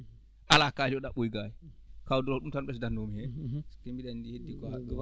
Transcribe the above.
alaa kaalis yo ɗaɓɓoy gaay kaw Doulo ko ɗum tan ɓesdatnoomi heen te mbiɗa anndi ko heddii ko